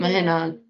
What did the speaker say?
Ma' hynna yn.